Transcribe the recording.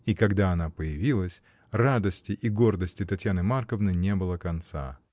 И когда она появилась, радости и гордости Татьяны Марковны не было конца.